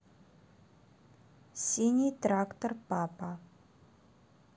синий трактор папа